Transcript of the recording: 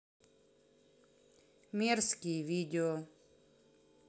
мерзкие видео